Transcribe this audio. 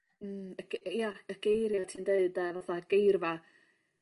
Hmm y g- ia y geiria ti'n deud a fatha geirfa